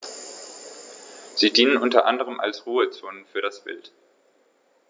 Sie dienen unter anderem als Ruhezonen für das Wild.